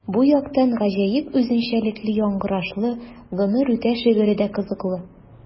Бу яктан гаҗәеп үзенчәлекле яңгырашлы “Гомер үтә” шигыре дә кызыклы.